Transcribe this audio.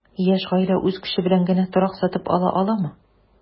Яшь гаилә үз көче белән генә торак сатып ала аламы?